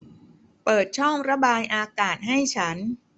เปิดช่องระบายอากาศให้ฉัน